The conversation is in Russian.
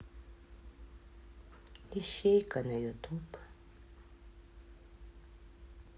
ищейка на ютуб